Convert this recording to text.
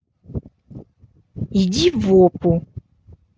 иди в опу